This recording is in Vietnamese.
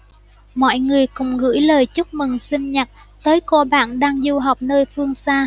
mọi người cùng gửi lời chúc mừng sinh nhật tới cô bạn đang du học nơi phương xa